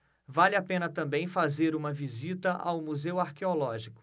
vale a pena também fazer uma visita ao museu arqueológico